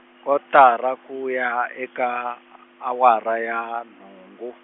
kotara ku ya eka, a- awara ya, nhungu.